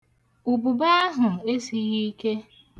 Ubube ahụ esighị ike.